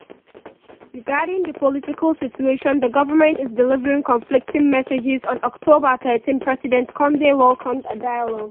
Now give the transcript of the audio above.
Regarding the political situation, the government is delivering conflicting messages: On October 13, President Condé welcomed a dialogue: